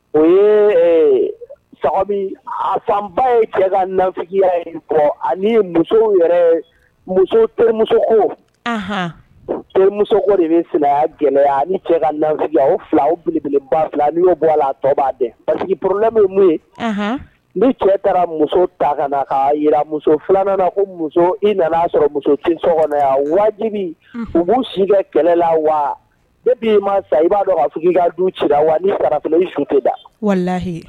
O a fanba ye cɛ kafya ani muso musomuso ko terimuso gɛlɛya ni cɛ ka o filab fila no bɔ la tɔ' pa ye ne cɛ taara muso ta ka na' jira muso filanan ko muso i nanaa sɔrɔ muso waati u si kɛlɛ la wa ne' ma sa i b'a dɔn a du ci la wa fara i su tɛ da